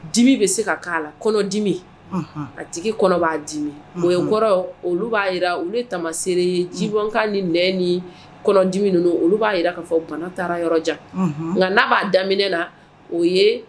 Dimi be se ka k'a la kɔnɔdimi unhun a tigi kɔnɔ b'a dimi unhun oye o kɔrɔɔ olu b'a yira olu ye tamasere ye jibɔnkan ni nɛ ni kɔnɔdimi ninnu olu b'a yira ka fɔ bana taara yɔrɔ jan unhun ŋa n'a b'a daminɛ la unhun o ye